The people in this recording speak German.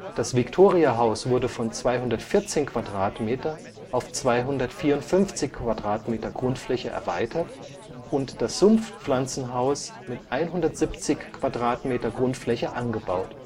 Das Victoria-Haus wurde von 214 m² auf 254 m² Grundfläche erweitert und das Sumpfpflanzenhaus mit 170 m² Grundfläche angebaut